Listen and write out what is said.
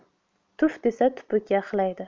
tuf desa tupuk yaxlaydi